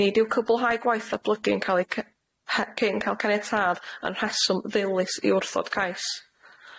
Nid yw cwblhau gwaith ddatblygu yn ca'l eu ce- hy- cyn ca'l caniatâd yn rheswm ddilys i wrthod cais.